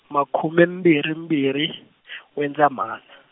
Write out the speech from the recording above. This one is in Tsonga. makhume mbirhi mbirhi N'wendzamhala.